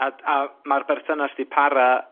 A d- a ma'r berthynas 'di para